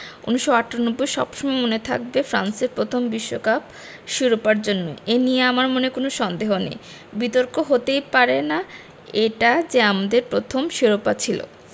১৯৯৮ সব সময়ই মনে থাকবে ফ্রান্সের প্রথম বিশ্বকাপ শিরোপার জন্যই এ নিয়ে আমার মনে কোনো সন্দেহ নেই বিতর্ক হতেই পারে না এটা যে আমাদের প্রথম শিরোপা ছিল